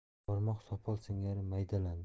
barmoq sopol singari maydalandi